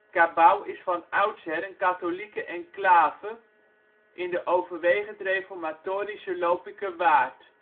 Cabauw is van oudsher een katholieke enclave in de overwegend reformatorische Lopikerwaard